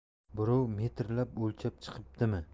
birov metrlab o'lchab chiqibdimi